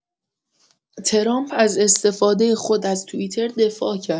ترامپ از استفاده خود از توییتر دفاع کرد.